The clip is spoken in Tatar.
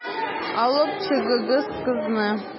Алып чыгыгыз кызны.